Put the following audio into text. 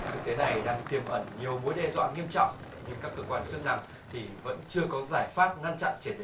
thực tế này đang tiềm ẩn nhiều mối đe dọa nghiêm trọng nhưng các cơ quan chức năng thì vẫn chưa có giải pháp ngăn chặn triệt để